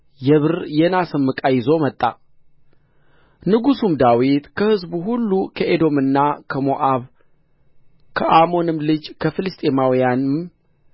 የብር የናስም ዕቃ ይዞ መጣ ንጉሡም ዳዊት ከአሕዛብ ሁሉ ከኤዶምና ከሞዓብ ከአሞንም ልጆች ከፍልስጥኤማውያንም